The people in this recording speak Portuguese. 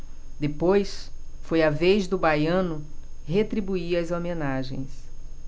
depois foi a vez do baiano retribuir as homenagens